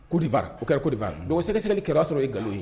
Kɔrowari, o kɛra Kɔrowari donc sɛgɛsɛgɛli kɛra a y'ansɔrɔ o ye nkalon ye.